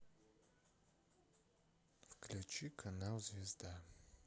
включи канал звезда